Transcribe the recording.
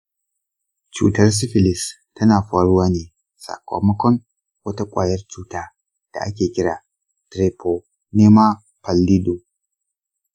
cutar sifilis tana faruwa ne sakamakon wata ƙwayar cuta da ake kira treponema pallidum.